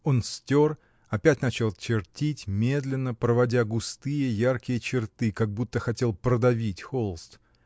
Он стер, опять начал чертить медленно, проводя густые, яркие черты, как будто хотел продавить холст.